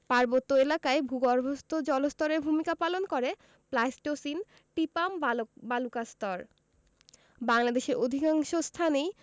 পার্বত্য এলাকায় ভূগর্ভস্থ জলস্তরের ভূমিকা পালন করে প্লাইসটোসিন টিপাম বালুকাস্তর বাংলাদেশের অধিকাংশ স্থানেই